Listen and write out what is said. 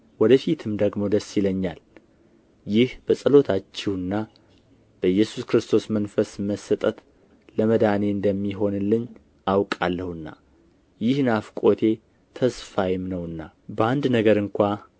ወደ ፊትም ደግሞ ደስ ይለኛል ይህ በጸሎታችሁና በኢየሱስ ክርስቶስ መንፈስ መሰጠት ለመዳኔ እንዲሆንልኝ አውቃለሁና ይህ ናፍቆቴ ተስፋዬም ነውና በአንድ ነገር እንኳ